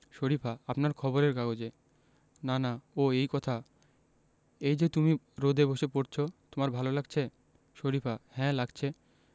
শরিফা আপনার খবরের কাগজে নানা ও এই কথা এই যে তুমি রোদে বসে পড়ছ তোমার ভালো লাগছে শরিফা হ্যাঁ লাগছে